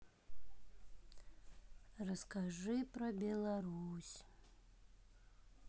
расскажи про беларусь